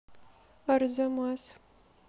арзамас